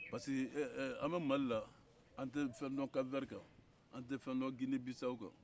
parce que eee eee an bɛ mali la an tɛ fɛn don kapu vɛri kan an tɛ fɛn don guinee bissau kan